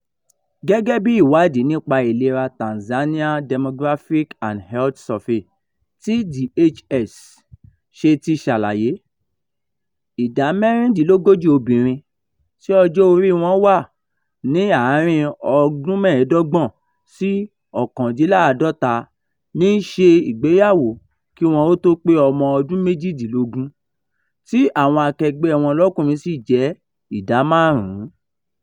Gẹ́gẹ́ bí ìwádìí nípa ìlera Tanzania Demographic and Health Survey (TDHS) ṣe ti ṣàlàyé, ìdá 36 obìnrin tí ọjọ́ oríi wọ́n wà ní 25-49 ní í ṣe ìgbéyàwó kí wọn ó tó pé ọmọ ọdún méjìdínlógún, tí àwọn akẹgbẹ́ẹ wọn lọ́kùnrin sí jẹ́ ìdá 5.